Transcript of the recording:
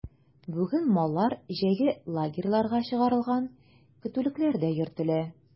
Бүген маллар җәйге лагерьларга чыгарылган, көтүлекләрдә йөртелә.